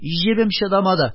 Җебем чыдамады